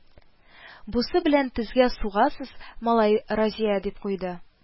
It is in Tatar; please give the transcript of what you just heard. Бусы белән тезгә сугасыз, малай, Разия, дип куйды